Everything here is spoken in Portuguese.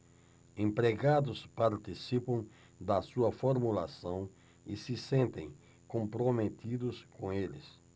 empregados participam da sua formulação e se sentem comprometidos com eles